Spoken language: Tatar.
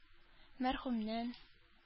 Мәрхүмнән